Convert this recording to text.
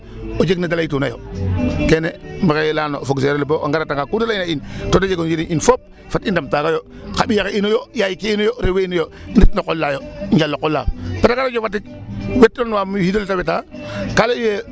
O jeg ne da laytuna yo kene maxey layan fog seereer bo a ngaratanga ku da layna in to ta jeg o njiriñ in fop fat i ndam taaga yo xa ɓiy axe inu yo yaay ke inu yo rew we inu yo i ndet no qol a yo njal o qol la parce que :far radio Fatick wetanwa o xiid ole ta weta ka lay'u yee wiin xarɓaxay no roon ole o kiin o leŋ no qol la e interet jegkee meen, doole jegkee meen, o jot jegkee meen, o wod jegkee meen it.